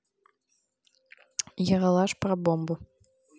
ералаш про бомбу